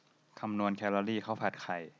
คำนวณแคลอรี่ข้าวผัดไข่